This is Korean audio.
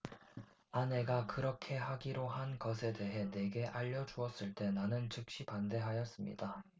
아내가 그렇게 하기로 한 것에 대해 내게 알려 주었을 때 나는 즉시 반대하였습니다